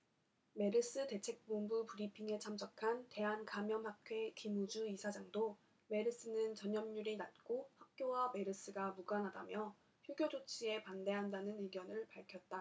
메르스 대책본부 브리핑에 참석한 대한감염학회 김우주 이사장도 메르스는 전염률이 낮고 학교와 메르스가 무관하다며 휴교 조치에 반대한다는 의견을 밝혔다